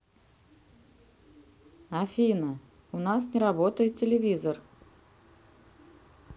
афина у нас не работает телевизор